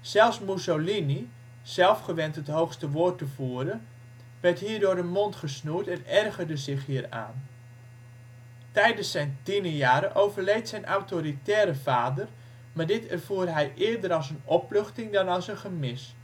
Zelfs Mussolini - zelf gewend het hoogste woord te voeren - werd hierdoor de mond gesnoerd en ergerde zich hieraan. Tijdens zijn tienerjaren overleed zijn autoritaire vader maar dit ervoer hij eerder als een opluchting dan als een gemis; met zijn